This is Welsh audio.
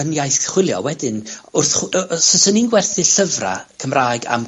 yn iaith chwilio wedyn, wrth chw- yy yy 'swn i'n gwerthu llyfra' Cymraeg am...